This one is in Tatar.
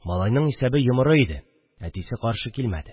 Малайның исәбе йомыры иде – әтисе каршы килмәде